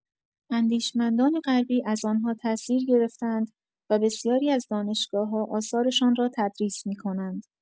اندیشمندان غربی از آن‌ها تاثیر گرفته‌اند و بسیاری از دانشگاه‌‌ها آثارشان را تدریس می‌کنند.